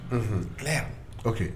Unhun claire ok